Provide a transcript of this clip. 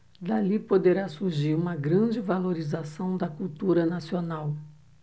dali poderá surgir uma grande valorização da cultura nacional